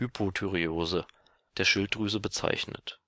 Hypothyreose) der Schilddrüse bezeichnet